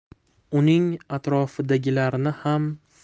uning atrofidagilarni xam